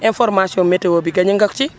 information météo bi gagné nga ko ci